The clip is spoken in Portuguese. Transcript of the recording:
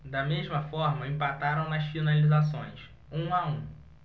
da mesma forma empataram nas finalizações um a um